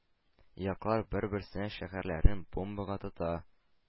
Яклар бер-берсенең шәһәрләрен бомбага тота,